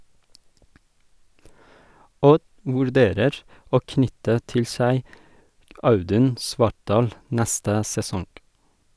Odd vurderer å knytte til seg Audun Svartdal neste sesong.